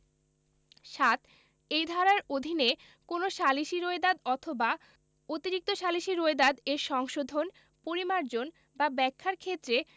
৭ এই ধারার অধীনে কোন সালিসী রোয়েদাদ অথবা অতিরিক্ত সালিসী রোয়েদাদ এর সংশোধন পরিমার্জন বা ব্যাখ্যার ক্ষেত্রে